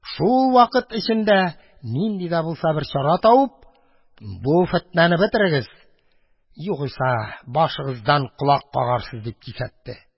Шул вакыт эчендә нинди дә булса бер чара табып, бу фетнәне бетерегез, югыйсә башыгыздан колак кагарсыз, – дип кисәтте.